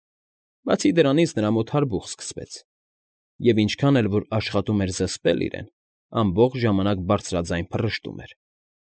Բացի դրանից նրա մոտ հարբուխ սկսվեց, և ինչքան էլ որ աշխատում էր զսպել իրեն, ամբողջ ժամանակ բարձրաձայն փռշտում էր։